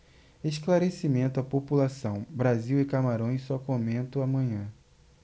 esclarecimento à população brasil e camarões só comento amanhã